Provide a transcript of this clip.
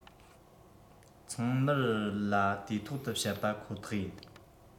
ཚང མར ལ དུས ཐོག ཏུ བཤད པ ཁོ ཐག ཡིན